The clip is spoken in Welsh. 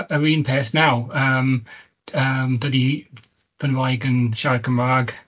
y- yr un peth naw' yym d- yym dydy ff- fyn wraig yn siarad Cymraeg yy